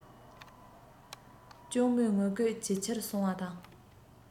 གཅུང མོའི ངུ སྐད ཇེ ཆེར སོང བ དང